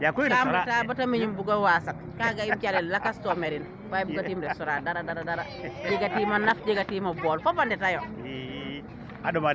kam reta bata miñ im bugo wasat ka ga iim calel lakas to merin waye buga tiim restaurant dara dara jega tiima naf jega tiim o bool fopa ndetayo